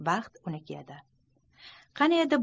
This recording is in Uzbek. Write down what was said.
baxt uniki edi